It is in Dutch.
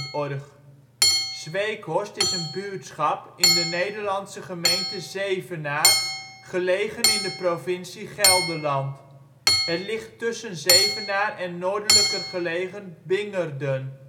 OL Zweekhorst Plaats in Nederland Situering Provincie Gelderland Gemeente Zevenaar Coördinaten 51° 58′ NB, 6° 5′ OL Portaal Nederland Beluister (info) Zweekhorst is een buurtschap in de Nederlandse gemeente Zevenaar, gelegen in de provincie Gelderland. Het ligt tussen Zevenaar en noordelijker gelegen Bingerden